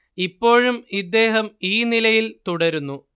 ഇപ്പോഴും ഇദ്ദേഹം ഈ നിലയില്‍ തുടരുന്നു